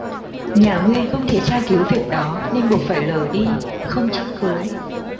nhà nguyên không thể tra cứu việc đó nên buộc phải lờ đi không trách cứ